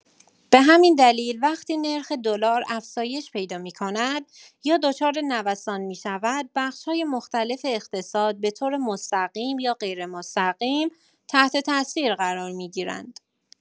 به همین دلیل وقتی نرخ دلار افزایش پیدا می‌کند یا دچار نوسان می‌شود، بخش‌های مختلف اقتصاد به‌طور مستقیم یا غیرمستقیم تحت‌تاثیر قرار می‌گیرند.